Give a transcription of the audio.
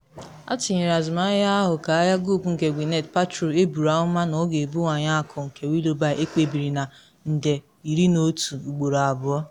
Atụnyere azụmahịa ahụ ka ahịa Goop nke Gwyneth Paltrow, eburu amụma na ọ ga-ebuwanye akụ nke Willoughby ekpebiri na £11 million ugboro abụọ.